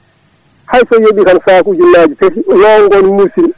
hayso heeɓi tan sakuji ujunnaje tati lowgogo ne muusi